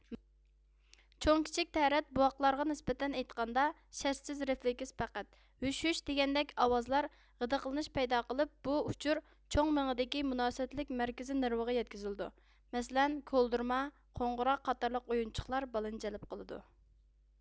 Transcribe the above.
چوڭ كىچىك تەرەت بوۋاقلارغا نىسبەتەن ئېيتقاندا شەرتسىز رېفلېكس پەقەت ھۈش ھۈش دېگەندەك ئاۋازلار غىدىقلىنىش پەيدا قىلىپ بۇ ئۇچۇر چوڭ مېڭىدىكى مۇناسىۋەتلىك مەركىزىي نېرۋىغا يەتكۈزۈلىدۇ مەسىلەن كولدۇرما قوڭۇراق قاتارلىق ئويۇنچۇقلار بالىنى جەلپ قىلىدۇ